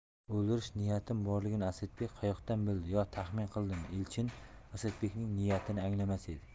o'ldirish niyatim borligini asadbek qayoqdan bildi yo taxmin qildimi elchin asadbekning niyatini anglamas edi